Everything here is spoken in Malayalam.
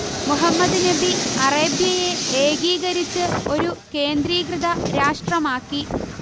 മുഹമ്മദ് നബി അറേബ്യയെ ഏകീകരിച്ച് ഒരു കേന്ദ്രീകൃത രാഷ്ട്രമാക്കി